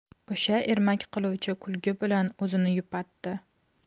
o'sha ermak qiluvchi kulgi bilan o'zini yupatdi